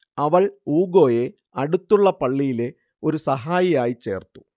അവൾ ഊഗോയെ അടുത്തുള്ള പള്ളിയിലെ ഒരു സഹായിയായി ചേർത്തു